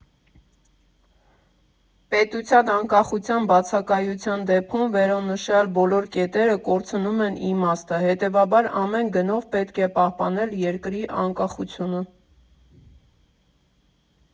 Պետության անկախության բացակայության դեպքում վերոնշյալ բոլոր կետերը կորցնում են իմաստը, հետևաբար ամեն գնով պետք է պահպանել երկրի անկախությունը։